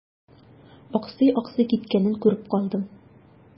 Аксый-аксый киткәнен күреп калдым.